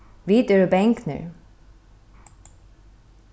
vit eru bangnir